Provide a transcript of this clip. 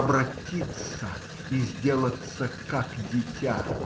Обратиться и сделаться как дитя!.